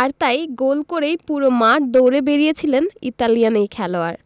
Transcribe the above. আর তাই গোল করেই পুরো মাঠ দৌড়ে বেড়িয়েছিলেন ইতালিয়ান এই খেলোয়াড়